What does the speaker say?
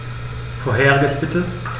Vorheriges bitte.